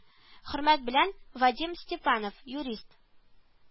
Хөрмәт белән, Вадим Степанов, юрист